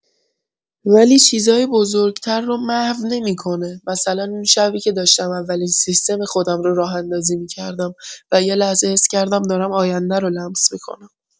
ولی چیزای بزرگ‌تر رو محو نمی‌کنه، مثلا اون شبی که داشتم اولین سیستم خودم رو راه‌اندازی می‌کردم و یه لحظه حس کردم دارم آینده رو لمس می‌کنم.